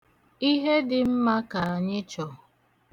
Ihe dị mma ka anyị chọ.